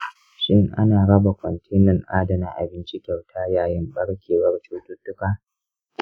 shin ana raba kwantenan adana abinci kyauta yayin ɓarkewar cututtuka?